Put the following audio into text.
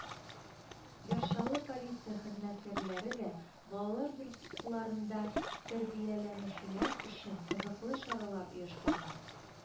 Яр Чаллы полиция хезмәткәрләре дә балалар йортларында тәрбияләнүчеләр өчен кызыклы чаралар оештырган